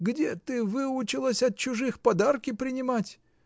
— Где ты выучилась от чужих подарки принимать?